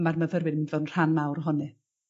ma'r myfyrwyr yn myn' i fo' yn rhan mawr ohoni.